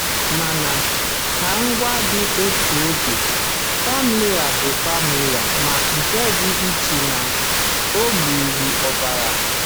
Mana, ka m gwa gị otu oge, famalay bụ famalay ma nke dị iche n'agbụrụ ọbara